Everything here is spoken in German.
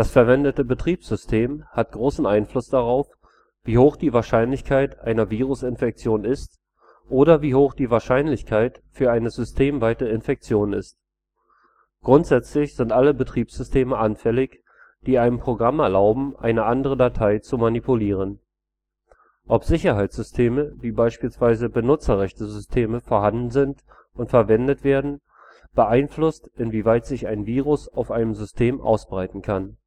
verwendete Betriebssystem hat großen Einfluss darauf, wie hoch die Wahrscheinlichkeit einer Virusinfektion ist oder wie hoch die Wahrscheinlichkeit für eine systemweite Infektion ist. Grundsätzlich sind alle Betriebssysteme anfällig, die einem Programm erlauben, eine andere Datei zu manipulieren. Ob Sicherheitssysteme wie beispielsweise Benutzerrechtesysteme vorhanden sind und verwendet werden, beeinflusst, inwieweit sich ein Virus auf einem System ausbreiten kann